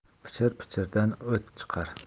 pichir pichirdan o't chiqar